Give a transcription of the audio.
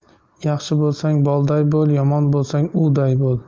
yaxshi bo'lsang bolday bo'l yomon bo'lsang uvday bo'l